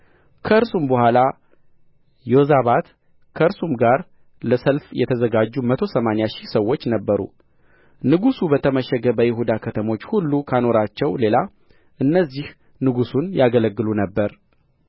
ከእርሱም በኋላ ዮዛባት ከእርሱም ጋር ለሰልፍ የተዘጋጁ መቶ ሰማኒያ ሺህ ሰዎች ነበሩ ንጉሡ በተመሸጉ በይሁዳ ከተሞች ሁሉ ካኖራቸውም ሌላ እነዚህ ንጉሡን ያገለግሉ ነበር